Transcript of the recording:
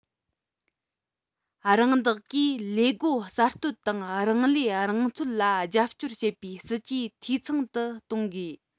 རང བདག གིས ལས སྒོ གསར གཏོད དང རང ལས རང འཚོལ ལ རྒྱབ སྐྱོར བྱེད པའི སྲིད ཇུས འཐུས ཚང དུ གཏོང དགོས